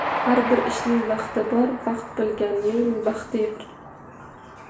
har bir ishning vaqti bor vaqt bilganning baxti yor